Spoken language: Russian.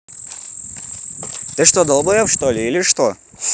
ты что добоеб что ли или что